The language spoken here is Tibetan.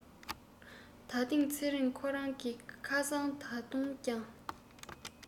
ད ཐེངས ཚེ རིང ཁོ རང གི ཁ སང ད དུང ཀྱང